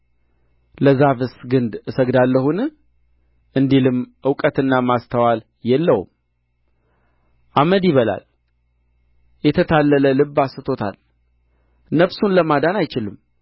ለዛፍስ ግንድ እሰግዳለሁን እንዲልም እውቀትና ማስተዋል የለውም አመድ ይበላል የተታለለ ልብ አስቶታል ነፍሱን ለማዳን አይችልም